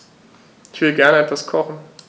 Ich will gerne etwas kochen.